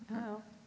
jeg òg.